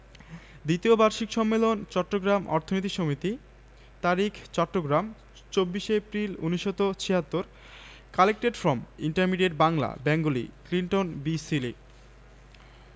অনেকদিন হল আপনাদের পাঠানো উপহার পেয়েছি কিন্তু আপনাদের চিঠি লিখতে বহু দেরী করে ফেললাম এতদিন পরে ধন্যবাদ জানাচ্ছি বলে আশা করি কিছু মনে করবেন না আপনার বাংলা চর্চা কেমন চলছে বাংলাদেশে আবার কবে আসবেন